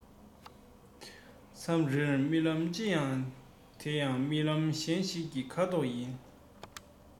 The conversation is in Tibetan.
མཚམས རེར རྨི ལམ ཅི ཡང དེ ཡང རྨི ལམ གཞན ཞིག གི ཁ དོག ཡིན